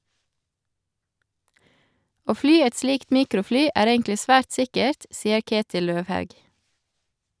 - Å fly et slikt mikrofly er egentlig svært sikkert, sier Ketil Løvhaug.